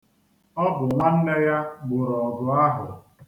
O bụ nwanne ya gboro ọgụ ahụ.